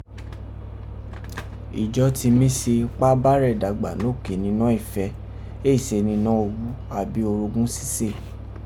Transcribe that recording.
ijo ti mi se ipa bárẹ̀ dagbanoke ninọ́ ifẹ, éè se ninọ́ owu abi orogun sise.